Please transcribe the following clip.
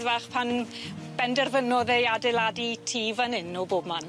...fach pan benderfynodd e i adeiladu tŷ fan 'yn o bobman.